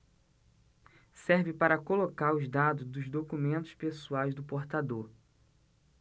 serve para colocar os dados dos documentos pessoais do portador